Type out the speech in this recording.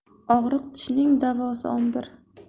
og'riq tishning davosi ombir